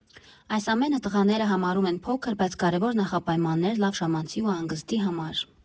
Այս ամենը տղաները համարում են փոքր, բայց կարևոր նախապայմաններ լավ ժամանցի ու հանգստի համար։